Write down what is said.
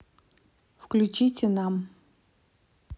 включите нам